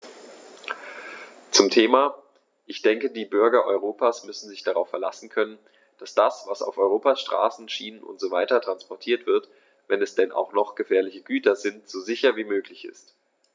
Zum Thema: Ich denke, die Bürger Europas müssen sich darauf verlassen können, dass das, was auf Europas Straßen, Schienen usw. transportiert wird, wenn es denn auch noch gefährliche Güter sind, so sicher wie möglich ist.